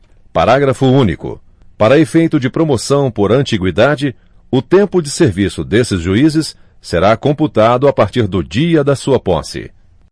parágrafo único para efeito de promoção por antiguidade o tempo de serviço desses juízes será computado a partir do dia da sua posse